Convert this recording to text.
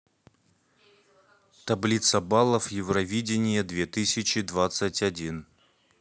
таблица балов евровидение две тысячи двадцать один